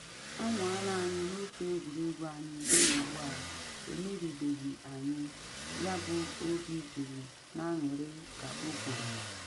“Anwaala anyị n’ofe egwuregwu anyị ruo ugbu a, emeribeghị anyị, yabụ obi juru n’anụrị,” ka o kwuru.